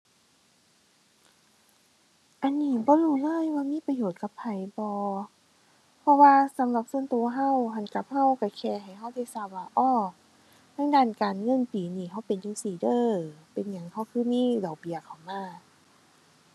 อันนี้บ่รู้เลยว่ามีประโยชน์กับไผบ่ เพราะว่าสำหรับส่วนตัวตัว หั้นกับตัวตัวแค่ให้ตัวได้ทราบว่า อ้อ ทางด้านการเงินปีนี้ตัวเป็นจั่งซี้เด้อ เป็นหยังตัวคือมีดอกเบี้ยเข้ามา